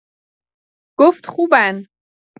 گفت خوبن.